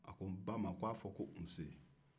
a ko ba ma ko a fɔ ko nse